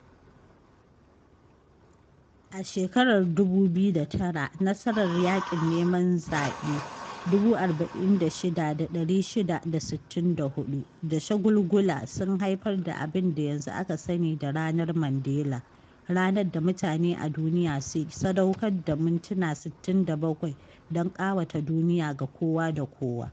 A shekarar 2009, nasarar yaƙin neman zaɓe 46664 da shagulgula, sun haifar da abin da yanzu aka sani da "Ranar Mandela", ranar da mutane a duniya ke sadaukar da mintuna 67 don ƙawata duniya ga kowa da kowa.